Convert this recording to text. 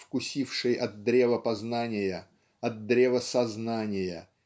вкусивший от древа познания от древа сознания